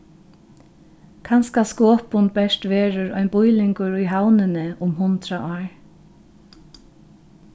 kanska skopun bert verður ein býlingur í havnini um hundrað ár